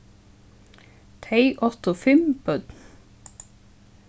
tey áttu fimm børn